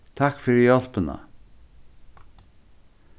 takk fyri hjálpina